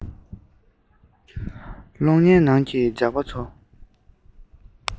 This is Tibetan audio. གློག བརྙན ནང གི ཇག པ ཚོ